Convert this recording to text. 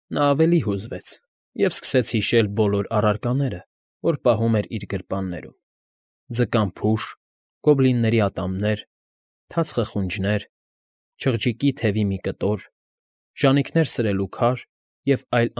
Նա ավելի հուզվեց և սկսեց հիշել բոլոր առարկաները, որ պահում էր իր գրպաններում՝ ձկան փուշ, գոբլինների ատամներ, թաց խխունջներ, չղջիկի թևի կտոր, ժանիքներ սրելու քար և այլ։